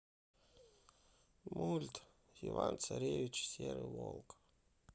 мульт иван царевич и серый волк